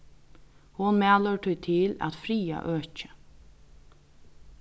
hon mælir tí til at friða økið